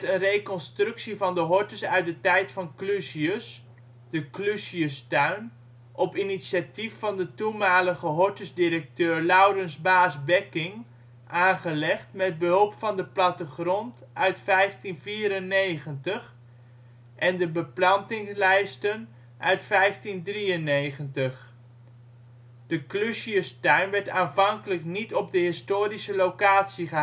reconstructie van de hortus uit de tijd van Clusius, de Clusiustuin op initiatief van de toenmalige hortusdirecteur Lourens Baas Becking aangelegd met behulp van de plattegrond uit 1594 en de beplantinglijsten uit 1593. De Clusiustuin werd aanvankelijk niet op de historische locatie gehuisvest